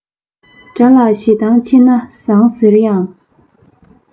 དགྲ ལ ཞེ སྡང ཆེ ན བཟང ཟེར ཡང